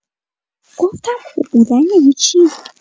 گفتم خوب بودن یعنی چی.